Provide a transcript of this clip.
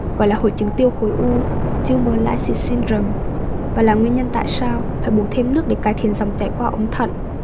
gọi là hội chứng tiêu khối u và là nguyên nhân tại sao phải bù thêm nước để cải thiện dòng chảy qua ống thận